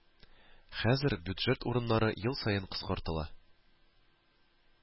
Хәзер бюджет урыннары ел саен кыскартыла